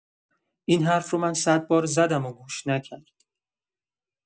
این حرف رو من صد بار زدم و گوش نکرد.